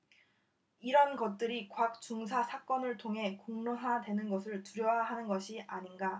이런 것들이 곽 중사 사건을 통해 공론화되는 것을 두려워하는 것이 아닌가